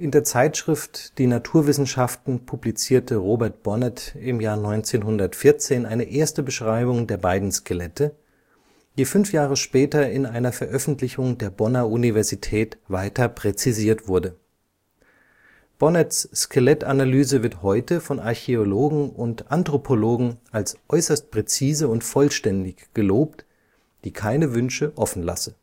der Zeitschrift Die Naturwissenschaften publizierte Robert Bonnet im Jahr 1914 eine erste Beschreibung der beiden Skelette, die fünf Jahre später in einer Veröffentlichung der Bonner Universität weiter präzisiert wurde. Bonnets Skelettanalyse wird heute von Archäologen und Anthropologen als äußerst präzise und vollständig gelobt, die keine Wünsche offen lasse